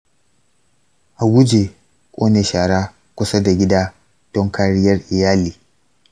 a guje ƙone shara kusa da gida don kariyar iyali